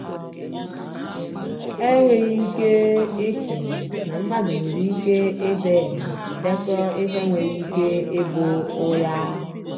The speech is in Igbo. Ha enwgheghị ike ịche na mmadụ nwere ike ịde maọbụ dekọọ ihe nwere ịke ịbụ ụgha.